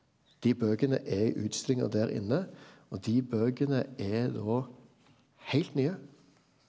dei bøkene er i utstillinga der inne og dei bøkene er då heilt nye.